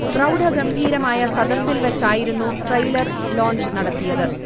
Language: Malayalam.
പ്രൗഢഗംഭീരമായ സദസ്സിൽ വെച്ചായിരുന്നു ട്രയിലർ ലോഞ്ച് നടത്തിയത്